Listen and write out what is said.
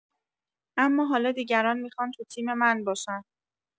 اما حالا دیگران می‌خوان تو تیم من باشن.